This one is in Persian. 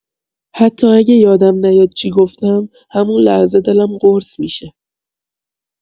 حتی اگه یادم نیاد چی گفتم، همون لحظه دلم قرص می‌شه.